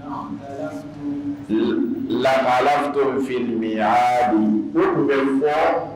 La tun fya bɛ fɔ